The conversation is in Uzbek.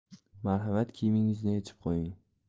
marhamat kiyimingizni yechib qo'ying